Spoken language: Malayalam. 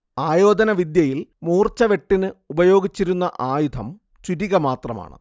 ആയോധനവിദ്യയിൽ മൂർച്ചവെട്ടിന് ഉപയോഗിച്ചിരുന്ന ആയുധം ചുരിക മാത്രമാണ്